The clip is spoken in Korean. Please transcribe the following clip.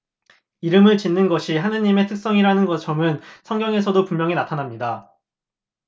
이름을 짓는 것이 하느님의 특성이라는 점은 성경에서도 분명히 나타납니다